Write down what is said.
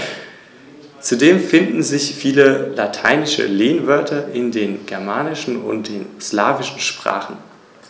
Ziel dieses Biosphärenreservates ist, unter Einbeziehung von ortsansässiger Landwirtschaft, Naturschutz, Tourismus und Gewerbe die Vielfalt und die Qualität des Gesamtlebensraumes Rhön zu sichern.